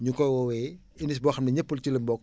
ñu koy woowee indice boo xam ne ñëpp ci lañ bokk